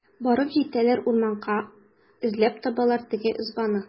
Барып җитәләр урманга, эзләп табалар теге ызбаны.